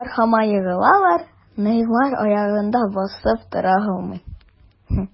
Алар һаман егылалар, Неймар аягында басып тора алмый.